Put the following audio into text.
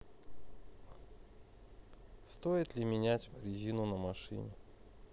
стоит ли менять резину на машине